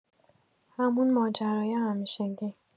همون ماجرای همیشگی.